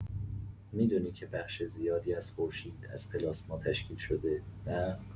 می‌دونی که بخش زیادی از خورشید از پلاسما تشکیل شده، نه؟